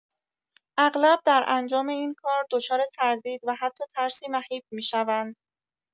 اغلب در انجام این کار دچار تردید و حتی ترسی مهیب می‌شوند.